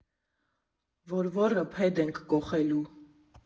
Որ ոռը փեդ ենք կոոոոխեեեելուուուու։